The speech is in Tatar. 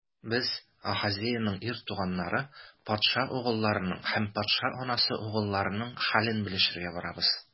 Без - Ахазеянең ир туганнары, патша угылларының һәм патша анасы угылларының хәлен белешергә барабыз.